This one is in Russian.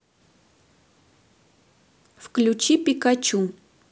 включи пикачу